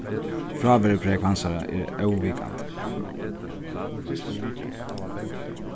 fráveruprógv hansara er óvikandi